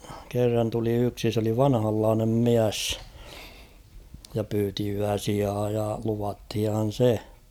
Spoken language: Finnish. kerran tuli yksi se oli vanhanlainen mies ja pyysi yösijaa ja luvattiinhan se